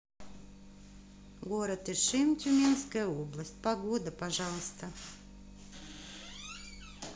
город ишим тюменская область погода пожалуйста